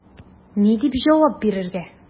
Ни дип җавап бирергә?